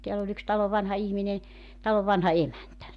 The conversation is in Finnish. täällä oli yksi talon vanha ihminen talon vanha emäntä